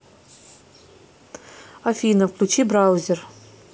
афина включи браузер